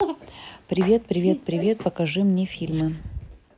привет привет привет покажи мне фильмы